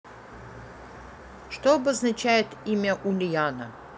что обозначает имя ульяна